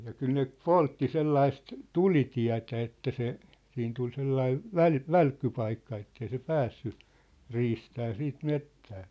ja kyllä ne poltti sellaista tulitietä että se siinä tuli sellainen - välkkypaikka että ei se päässyt riistämään sitten metsään